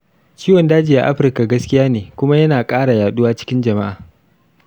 ciwon daji a africa gaskiya ne kuma yana kara yaduwa cikin jama'a.